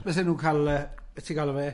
Bysen nhw'n cael yy, be ti'n galw fe?